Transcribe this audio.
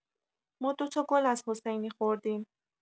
ما دوتا گل از حسینی خوردیم